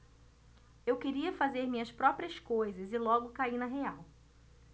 eu queria fazer minhas próprias coisas e logo caí na real